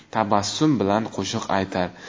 tabassum bilan qo'shiq aytar